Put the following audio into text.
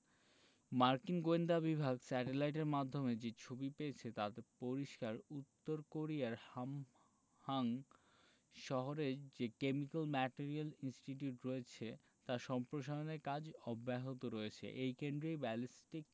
মার্কিন গোয়েন্দা বিভাগ স্যাটেলাইটের মাধ্যমে যে ছবি পেয়েছে তাতে পরিষ্কার উত্তর কোরিয়ার হামহাং শহরে যে কেমিক্যাল ম্যাটেরিয়াল ইনস্টিটিউট রয়েছে তার সম্প্রসারণের কাজ অব্যাহত রয়েছে এই কেন্দ্রেই ব্যালিস্টিক